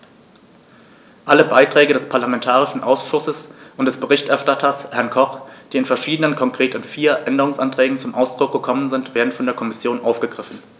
Alle Beiträge des parlamentarischen Ausschusses und des Berichterstatters, Herrn Koch, die in verschiedenen, konkret in vier, Änderungsanträgen zum Ausdruck kommen, werden von der Kommission aufgegriffen.